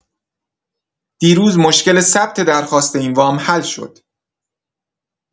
دیروز مشکل ثبت درخواست این وام حل شد.